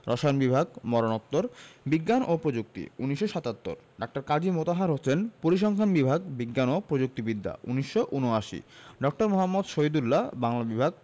রসায়ন বিভাগ মরণোত্তর বিজ্ঞান ও প্রযুক্তি ১৯৭৭ ড. কাজী মোতাহার হোসেন পরিসংখ্যান বিভাগ বিজ্ঞান ও প্রযুক্তি বিদ্যা ১৯৭৯ ড. মুহম্মদ শহীদুল্লাহ বাংলা বিভাগ